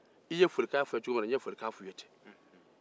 i ye folikan fɔ n ye cogo min na n ye folikan fɔ u ye ten